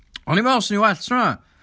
O'n ni'n meddwl swn i'n well tro 'na